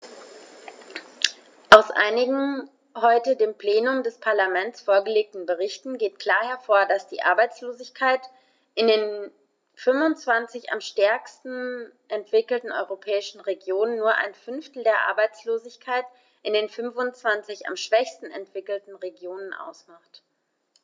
Aus einigen heute dem Plenum des Parlaments vorgelegten Berichten geht klar hervor, dass die Arbeitslosigkeit in den 25 am stärksten entwickelten europäischen Regionen nur ein Fünftel der Arbeitslosigkeit in den 25 am schwächsten entwickelten Regionen ausmacht.